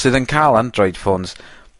...sydd yn ca'l Android phones